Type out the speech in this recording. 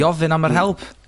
...i ofyn am yr help.